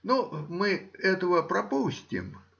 Ну, мы этого пропустим